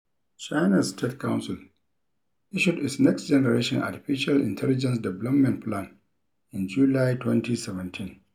China's State Council issued its Next Generation Artificial Intelligence Development Plan in July 2017.